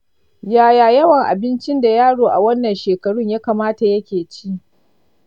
yaya yawan abincin da yaro a wannan shekarun ya kamata yake ci?